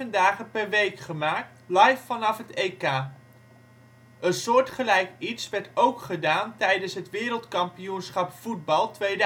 dagen per week gemaakt, live vanaf het EK. Een soortgelijk iets werd ook gedaan tijdens het wereldkampioenschap voetbal 2010